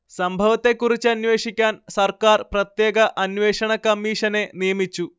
സംഭവത്തെക്കുറിച്ചന്വേഷിക്കാൻ സർക്കാർ പ്രത്യേക അന്വേഷണ കമ്മീഷനെ നിയമിച്ചു